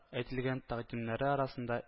Әйтелгән тәкъдимнәр арасында